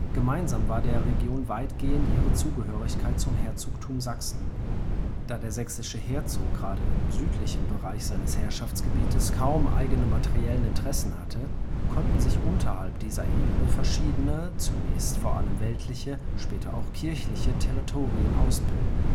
Gemeinsam war der Region weitgehend ihre Zugehörigkeit zum Herzogtum Sachsen. Da der sächsische Herzog gerade im südlichen Bereich seines Herrschaftsgebiets kaum eigene materielle Interessen hatte, konnten sich unterhalb dieser Ebene verschiedene, zunächst vor allem weltliche, später auch kirchliche Territorien ausbilden